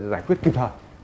giải quyết kịp thời